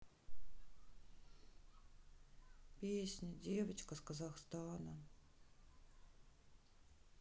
песня девочка с казахстана